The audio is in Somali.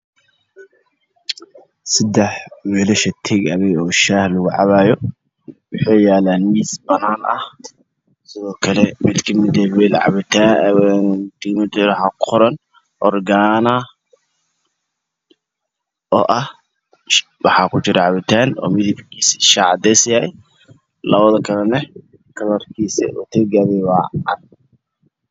Saddex weelasha Take awayda ah oo shaaha lagu cabayo waxay yaalaan miis banaan ah sido kale mid ka mid ah weel cabitan ah waxa ku qoran organa oo ah Waxa ku jira Cabitaan oo midibkiisa shaah cadeys yahay labada kalena Kalarkiisa Take away oo cad